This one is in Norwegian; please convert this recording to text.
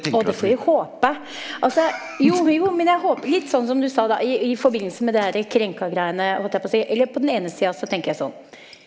å, det får vi håpe altså jo jo men jeg litt sånn som du sa da i i forbindelse med det her krenka-greiene, holdt jeg på å si, eller på den ene sida så tenker jeg sånn.